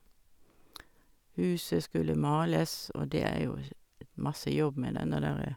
Huset skulle males, og det er jo sj masse jobb med den der derre...